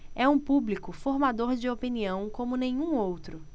é um público formador de opinião como nenhum outro